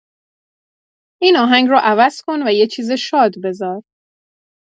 این آهنگ رو عوض کن و یه چیز شاد بذار